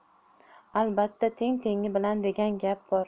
albatta teng tengi bilan degan gap bor